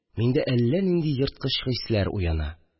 Миндә әллә нинди ерткыч хисләр уяна